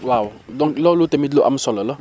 waaw donc loolu tamit lu am solo la